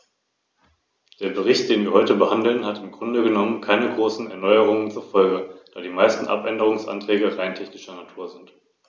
Daher hat die italienische Delegation der Demokratischen Partei beschlossen, sich der Stimme zu enthalten.